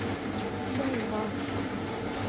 дай раф